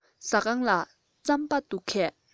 ཟ ཁང ལ རྩམ པ འདུག གས